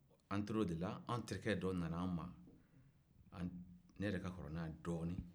an tor'o de la an terikɛ dɔ nana an ma ne yɛrɛ ka kɔrɔ n'a ye dɔɔnin